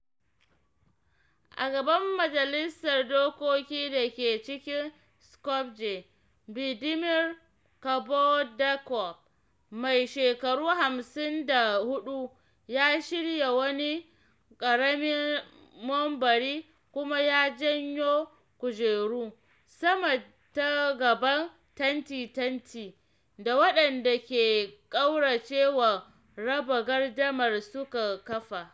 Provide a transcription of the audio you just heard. A gaban majalisar dokoki da ke cikin Skopje, Vladimir Kavardarkov, mai shekaru 54, ya shirya wani ƙaramin munbari kuma ya janyo kujeru sama ta gaban tanti-tanti da waɗanda ke ƙaurace wa raba gardamar suka kafa.